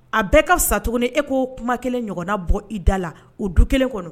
A bɛɛ ka sa tuguni e koo kuma kelen ɲɔgɔnna bɔ i da la o du kelen kɔnɔ